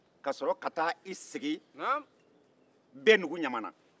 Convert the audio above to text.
ka sɔrɔ ka taa i sigi bɛndugu ɲamana